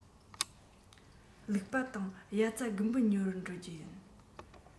ལུག པགས དང དབྱར རྩྭ དགུན འབུ ཉོ བར འགྲོ རྒྱུ ཡིན